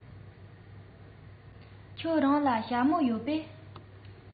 ཁྱེད རང ལ ཞྭ མོ ཡོད པས